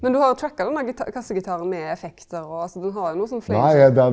men du har denne kassegitaren med effektar og altså den har jo noko sånn .